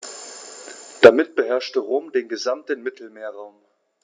Damit beherrschte Rom den gesamten Mittelmeerraum.